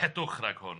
...'Cedwch rhag hwn'.